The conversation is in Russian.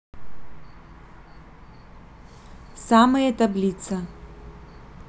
самые таблица